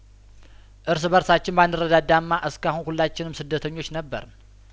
እርስ በእርሳችን ባንረዳዳማ እስካሁን ሁላችንም ስደተኞች ነበርን